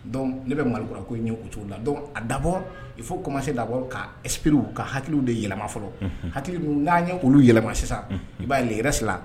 Dɔn ne bɛ malikura ko i ɲɛ o cogo la dɔn a dabɔ i fo komanse dabɔ kapiriw ka hakiliw de yɛlɛma fɔlɔ n'a ye olu yɛlɛma sisan i b'a ɛrɛsi